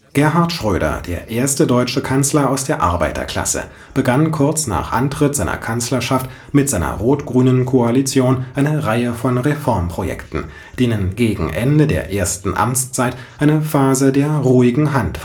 Gerhard Schröder, der erste deutsche Kanzler aus der Arbeiterklasse, begann kurz nach Antritt seiner Kanzlerschaft mit seiner rot-grünen Koalition eine Reihe von Reformprojekten, denen gegen Ende der ersten Amtszeit eine Phase der „ ruhigen Hand